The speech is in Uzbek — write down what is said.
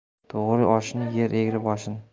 to'g'ri oshini yer egri boshini